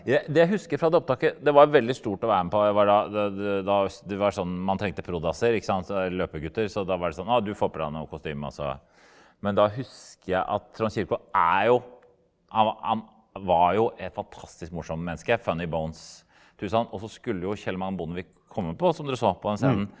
det det jeg husker fra det opptaket det var veldig stort å være med på jeg var da det da det var sånn man trengte prod.asser ikke sant løpegutter så da var det sånn å du får på deg noe kostyme også men da husker jeg at Trond Kirkvaag er jo han han var jo et fantastisk morsomt menneske funny ikke sant og så skulle jo Kjell-Magne Bondevik komme på som dere så på den scenen.